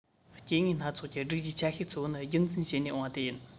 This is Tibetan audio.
སྐྱེ དངོས སྣ ཚོགས ཀྱི སྒྲིག གཞིའི ཆ ཤས གཙོ བོ ནི རྒྱུད འཛིན བྱས ནས འོངས པ དེ ཡིན